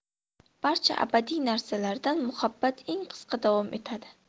barcha abadiy narsalardan muhabbat eng qisqa davom etadi